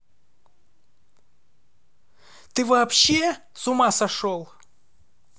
ты вообще с ума сошел